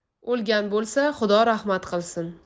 o'lgan bo'lsa xudo rahmat qilsin